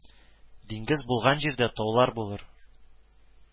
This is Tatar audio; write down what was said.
Диңгез булган җирдә таулар булыр